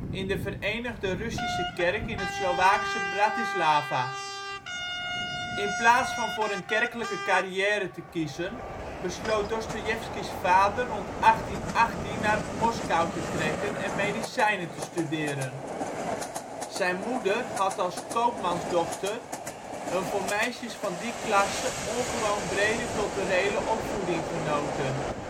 in de Verenigde Russische Kerk in het Slowaakse Bratislava. In plaats van voor een kerkelijke carrière te kiezen, besloot Dostojevski 's vader rond 1818 naar Moskou te trekken en medicijnen te studeren. Zijn moeder had als koopmansdochter een voor meisjes van die klasse ongewoon brede culturele opvoeding genoten